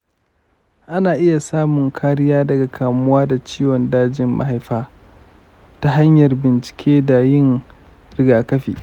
ana iya samun kariya daga kamuwa da ciwon dajin mahaifa ta hanyar bincike da yin riga kafi.